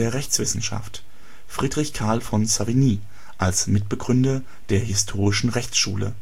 Rechtswissenschaft Friedrich Carl von Savigny als Mitbegründer der Historische Rechtsschule